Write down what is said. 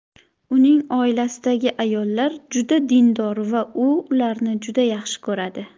uning oilasidagi ayollar juda dindor va u ularni juda yaxshi ko'radi